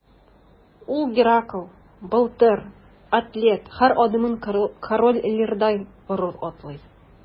Ул – Геракл, Былтыр, атлет – һәр адымын Король Лирдай горур атлый.